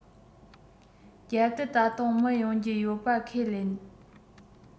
རྒྱབ དུ ད དུང མི ཡོང རྒྱུ ཡོད པ ཁས ལེན